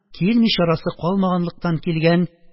Килми чарасы калмаганлыктан килгән